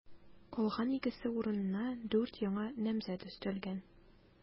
Калган икесе урынына дүрт яңа намзәт өстәлгән.